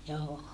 joo